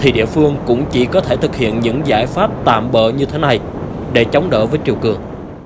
thì địa phương cũng chỉ có thể thực hiện được những giải pháp tạm bợ như thế này để chống đỡ với triều cường